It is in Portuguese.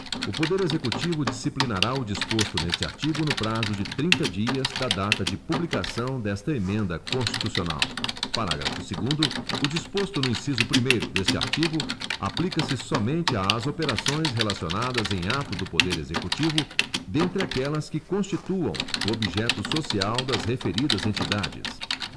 o poder executivo disciplinará o disposto neste artigo no prazo de trinta dias da data de publicação desta emenda constitucional parágrafo segundo o disposto no inciso primeiro deste artigo aplica se somente às operações relacionadas em ato do poder executivo dentre aquelas que constituam o objeto social das referidas entidades